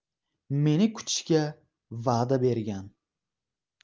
meni kutishga vada bergan